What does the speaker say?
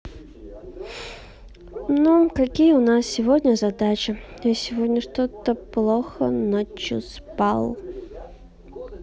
ну какие у нас на сегодня задачи я сегодня что то плохо ночью спал